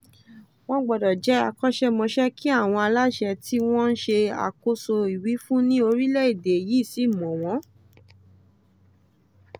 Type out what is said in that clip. Wọ́n gbọdọ̀ jẹ́ akọ́ṣẹ́mọṣẹ́ kí àwọn aláṣẹ tí wọ́n ń ṣe àkóso ìwífún ní orílẹ̀-èdè yìí sì mọ̀ wọ́n.